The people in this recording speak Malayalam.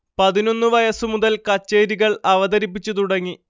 പതിനൊന്ന് വയസ്സു മുതൽ കച്ചേരികൾ അവതരിപ്പിച്ചു തുടങ്ങി